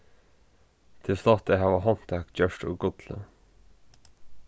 tað er flott at hava handtak gjørd úr gulli